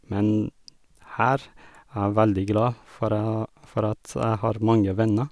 Men her jeg er veldig glad for æ a for at jeg har mange venner.